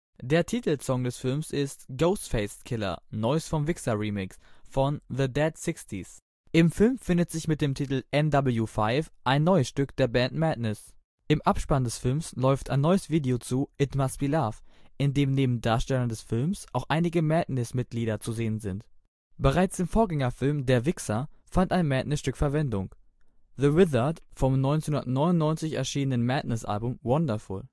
Der Titelsong des Films ist Ghostfaced Killer (Neues vom Wixxer-Remixx) von The Dead 60s. Im Film findet sich mit dem Titel NW5 ein neues Stück der Band Madness. Im Abspann des Films läuft ein neues Video zu It must be love, in dem neben Darstellern des Films auch einige Madness-Mitglieder zu sehen sind. Bereits im Vorgängerfilm Der Wixxer fand ein Madness-Stück Verwendung – The Wizard vom 1999 erschienenen Madness-Album Wonderful